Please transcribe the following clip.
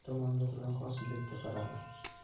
tomonidan turgan qosimbekka qaradi